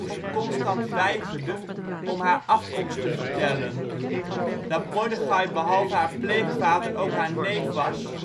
ze constant weigerde om haar afkomst te vertellen. Dat Mordechai behalve haar pleegvader ook haar neef was